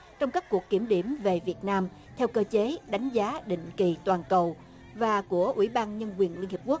trong các cuộc kiểm điểm về việt nam theo cơ chế đánh giá định kỳ toàn cầu và của ủy ban nhân quyền liên hiệp quốc